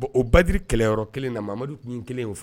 O badiri kɛlɛyɔrɔ kelen na mamadu tun ɲi kelen o fɛ